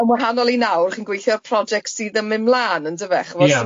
Yn wahanol i nawr, chi'n gweithio ar project sydd yn mynd mlan yndyfe chibod. Ie.